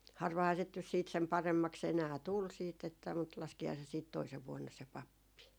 harvahan sitä nyt sitten sen paremmaksi enää tuli sitten että mutta laskihan se sitten toisena vuonna se pappi